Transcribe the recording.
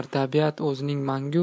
tabiat o'zining mangu